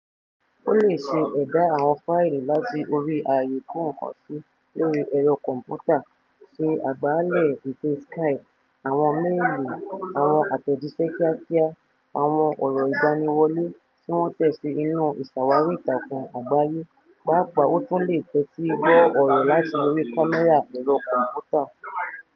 Ó lè ṣe ẹ̀dá àwọn fáìlì láti orí ààyè ìkóǹkansí lórí ẹ̀rọ kọ̀m̀pútà, ṣe àgbàálẹ̀ ìpè Skype, àwọn méèlí, àwọn àtẹ̀jíṣẹ́ kíákíá, àwọn ọ̀rọ̀ìgbaniwọlé tí wọ́n tẹ̀ sí inú ìṣàwárí ìtàkùn àgbáyé, pàápàá ó tún le tẹ́tí gbọ́ ọ̀rọ̀ láti orí kámẹ́rà ẹ̀rọ kọ̀m̀pútà.